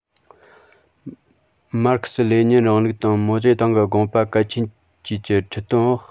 མར ཁེ སི ལེ ཉིན རིང ལུགས དང མའོ ཙེ ཏུང གི དགོངས པ གལ ཆེན བཅས ཀྱི ཁྲིད སྟོན འོག